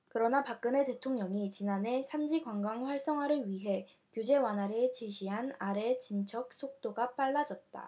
그러나 박근혜 대통령이 지난해 산지관광 활성화를 위해 규제 완화를 지시한 이래 진척 속도가 빨라졌다